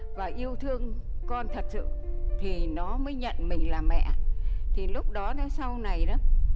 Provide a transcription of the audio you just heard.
và yêu thương con thật sự thì nó mới nhận mình là mẹ thì lúc đó nó sau này đó